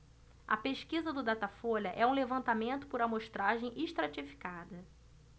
a pesquisa do datafolha é um levantamento por amostragem estratificada